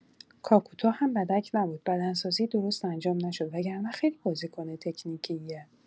کاکوتا هم بدک نبود بدنسازی درست انجام نشد وگرنه خیلی بازیکن تکنیکیه